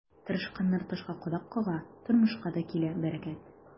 Тырышканнар ташка кадак кага, тормышка да килә бәрәкәт.